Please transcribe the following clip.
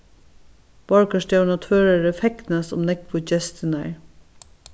borgarstjórin á tvøroyri fegnast um nógvu gestirnar